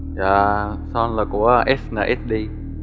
dạ son là của ét nờ ét đi